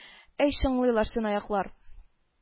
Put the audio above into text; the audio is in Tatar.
Әй чыңлыйлар чынаяклар